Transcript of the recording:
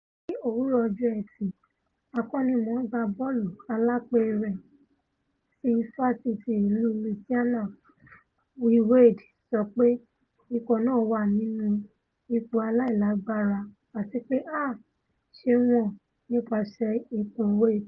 Ní òwúrọ ọjọ́ Ẹtì, akọ́nimọ̀-ọ́n-gbá bọ́ọ̀lù alápẹ̀rẹ̀ ti LSU Will Wade sọ pé ikọ̀ náà wà nínú ''ipò aláìlágbára'' àtipé ''háà ṣe wọ́n'' nípaṣẹ̵̀ ikú Wayde.